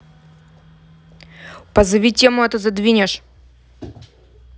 позови тему это задвинешь